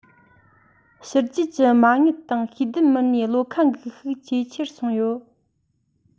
ཕྱི རྒྱལ གྱི མ དངུལ དང ཤེས ལྡན མི སྣའི བློ ཁ འགུག ཤུགས ཇེ ཆེ སོང ཡོད